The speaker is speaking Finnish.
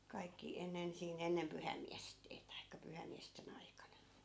kaikki ennen siinä ennen pyhäinmiesten tai pyhäinmiesten aikana